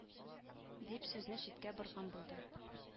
Дип сүзне читкә борган булды